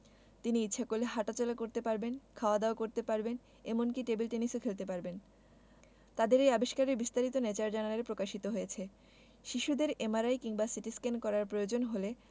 তিনি ইচ্ছা করলে হাটাচলা করতে পারবেন খাওয়া দাওয়া করতে পারবেন এমনকি টেবিল টেনিসও খেলতে পারবেন তাদের এই আবিষ্কারের বিস্তারিত ন্যাচার জার্নালে প্রকাশিত হয়েছে শিশুদের এমআরআই কিংবা সিটিস্ক্যান করার প্রয়োজন হলে